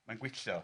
Mae'n gwylltio.